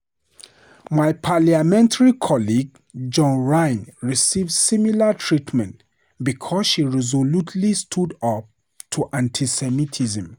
My parliamentary colleague Joan Ryan received similar treatment because she resolutely stood up to antisemitism.